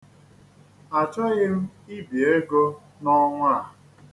Achọghị m ibi ego n'ọnwa a.